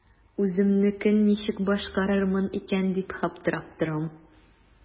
Үземнекен ничек башкарырмын икән дип аптырап торам.